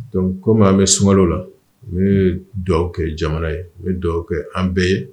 Dɔnku komi an bɛ sumaworoka la n dɔw kɛ jamana ye n dɔw kɛ an bɛɛ ye